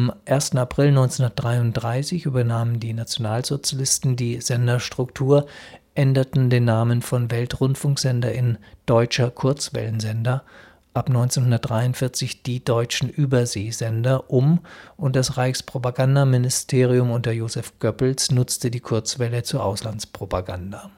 Am 1. April 1933 übernahmen die Nationalsozialisten die Senderstruktur, änderten den Namen von „ Weltrundfunksender “in „ Deutscher Kurzwellensender “(ab 1943 Deutsche Überseesender) um, und das Reichspropagandaministerium unter Joseph Goebbels nutzte die Kurzwelle zur Auslandspropaganda